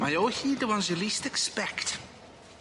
Mae o hyd the ones you least expect.